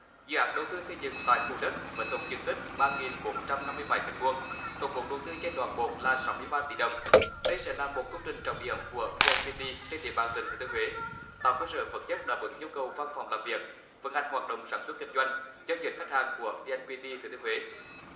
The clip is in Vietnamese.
dự án đầu tư xây dựng tại khu đất với tổng diện tích ba nghìn bốn trăm năm mươi bảy mét vuông tổng vốn đầu tư trên toàn bộ là sáu mươi ba tỷ đồng đây sẽ là một công trình trọng điểm của vi en pi ti trên địa bàn tỉnh thừa thiên huế tạo cơ sở vật chất đáp ứng nhu cầu văn phòng làm việc vận hành hoạt động sản xuất kinh doanh giao dịch khách hàng của vi en pi ti thừa thiên huế